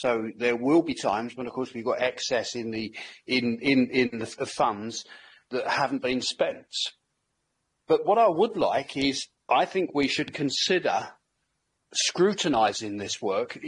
so there will be times when of course we've got excess in the in in in the funds that haven't been spent, but what I would like is I think we should consider scrutinizing this work,